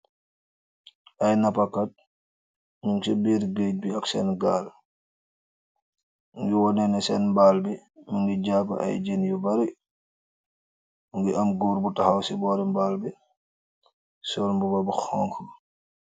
Ay napa kaat mung si birr gaage bi ak senn gaal mogi woneneh senn baal bi mogi japaa ay jenn yu bari mogi aam goor bu taxaw si bori baal bi sool mbubu bu xonxa.